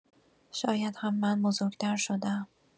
شاید هم من بزرگ‌تر شده‌ام.